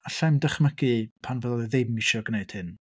Alla i'm dychmygu pan fydda i ddim isio gwneud hyn.